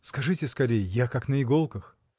— Скажите скорей, я — как на иголках!